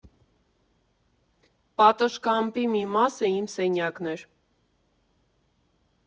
Պատշգամբի մի մասը իմ սենյակն էր։